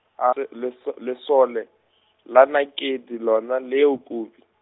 a leso- lesole , la Nakedi lona leo Kobi.